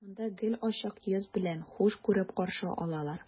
Монда гел ачык йөз белән, хуш күреп каршы алалар.